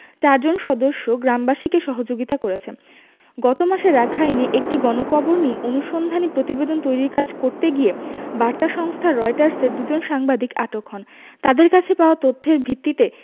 চারজন সদস্য গ্রামবাসীকে সহযোগিতা করেছে গত মাসে রাখাইনে একটি গণকবর নিয়ে অনুসন্ধানী প্রতিবেদন তৈরির কাজ করতে গিয়ে বার্তা সংস্থা রয়টার্সের দুজন সাংবাদিক আটক হন তাঁদের কাছে পাওয়া তথ্যের ভিত্তিতে